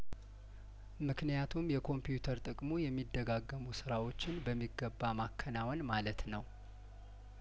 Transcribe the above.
ምክንያቱም የኮምፒውተር ጥቅሙ የሚደጋገሙ ስራዎችን በሚገባ ማከናወን ማለት ነው